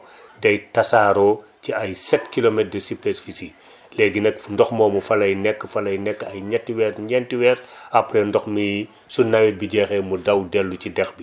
day tasaaroo ci ay 7 kilomètre de superficie léegi nag ndox moomu fa lay nekk fa fa lay nekk ay ñetti weer ñeenti weer après ndox mi su nawet bi jeexee mu daw dellu ci dex bi